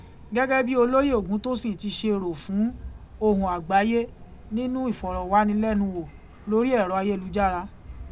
Gẹ́gẹ́ bí Olóyè Ògúntósìn ti ṣe rò fún Ohùn Àgbáyé nínú ìfọ̀rọ̀wánilẹ́nuwò lórí ẹ̀rọ ayélujára